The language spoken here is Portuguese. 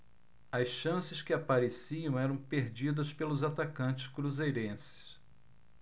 as chances que apareciam eram perdidas pelos atacantes cruzeirenses